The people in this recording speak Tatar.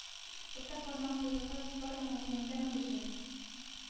Урта бармак буйлыгы бар маңлаенда мөгезе.